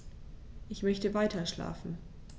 Ich möchte weiterschlafen.